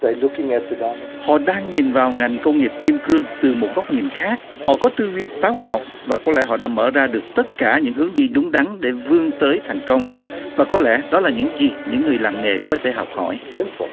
lút kinh en dơ đót họ đang nhìn vào ngành công nghiệp kim cương từ một góc nhìn khác họ có tư duy táo bạo và có lẽ họ đã mở ra được tất cả những hướng đi đúng đắn để vươn tới thành công và có lẽ đó là những gì những người làm nghề có thể học hỏi